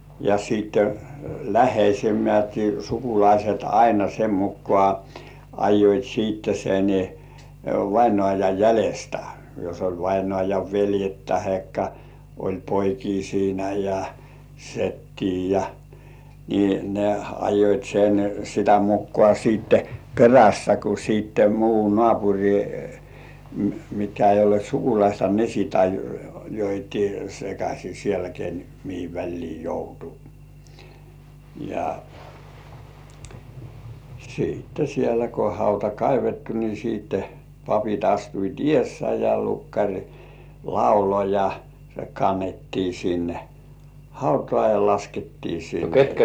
ja sitten läheisemmät sukulaiset aina sen mukaan ajoivat sitten sen vainajan jäljestä jos oli vainajan veljet tai oli poikia siinä ja setiä ja niin ne ajoivat sen sitä mukaan sitten perässä kun sitten muu naapuri mitkä ei olleet sukulaista ne sitten ajoivat sekaisin siellä ken mihin väliin joutui ja sitten siellä kun hauta kaivettu niin sitten papit astuivat edessä ja lukkari lauloi ja se kannettiin sinne hautaan ja laskettiin sinne